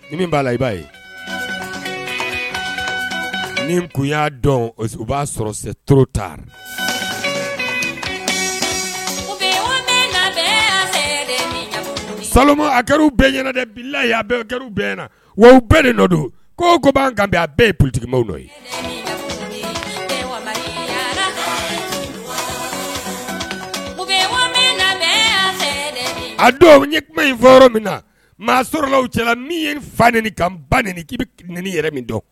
B'a la i b'a ye ni kun y'a dɔn b'a sɔrɔ seta sa a bɛɛ de la bɛɛ wa bɛɛ don ko ko'an a bɛɛ ye ptigibaw dɔ ye a ye kuma in min na maa sɔrɔla cɛla min ye fa nin ka ba nin k'i bɛ ni yɛrɛ min dɔn